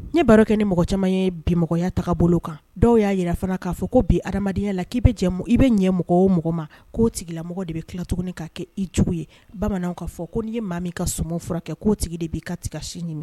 Ni baro kɛ ni mɔgɔ caman ye bimɔgɔyataa bolo kan dɔw y'a jira fana k'a fɔ ko bi adamadenyaya la k'i bɛ jɛ i bɛ ɲɛ mɔgɔ o mɔgɔ ma k'o tigilamɔgɔ de bɛ tila tuguni ka kɛ i cogo ye bamananw kaa fɔ ko n'i ye maa min ka so furakɛ ko tigi de b'i ka taga sini ninmi